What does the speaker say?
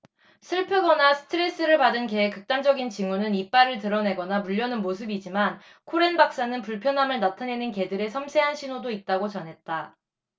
슬프거나 스트레스를 받은 개의 극단적인 징후는 이빨을 드러내거나 물려는 모습이지만 코렌 박사는 불편함을 나타내는 개들의 섬세한 신호도 있다고 전했다